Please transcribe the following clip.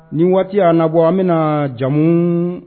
Nin waati y'a nabɔ an bɛna na jamu